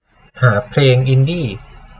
หาเพลงอินดี้